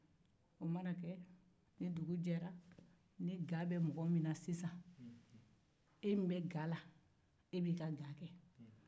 o mana kɛ mɔgɔ min bɛ ga la o bɛ tobili kɛ